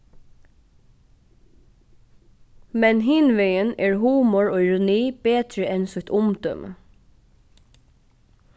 men hinvegin er humor og ironi betri enn sítt umdømi